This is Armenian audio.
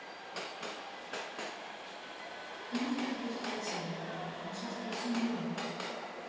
Ինքը իլյուստրացիա է արել՝ ինչ ես տեսնում դու։